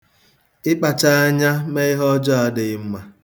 Ịkpacha anya me ihe ọjọọ adịghị mma.